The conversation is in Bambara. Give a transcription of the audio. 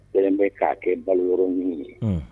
Yɛrɛ bɛ k'a kɛ balo yɔrɔ ɲini ye